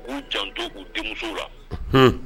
U ku janto u denmusow la. Unhun